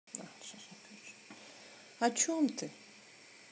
о чем ты